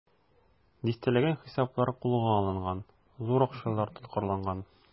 Дистәләгән хисаплар кулга алынган, зур акчалар тоткарланган.